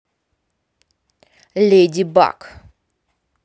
леди баг